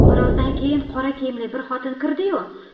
bir ozdan keyin qora kiyimli bir xotin kirdi yu